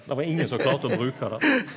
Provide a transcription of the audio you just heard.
det var ingen så klarte å bruka det.